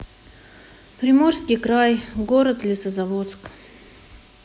приморский край город лесозаводск